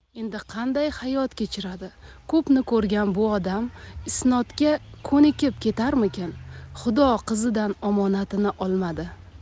endi qanday hayot kechiradi ko'pni ko'rgan bu odam isnodga ko'nikib ketarmikin xudo qizidan omonatini olmadi